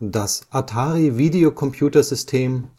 Das Atari Video Computer System